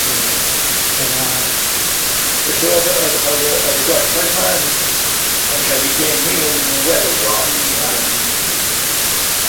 Dwi'n... dyna... Felly o'dd o'dd o'dd y gwerhag 'ma yn yn cael ei geni yn Werddon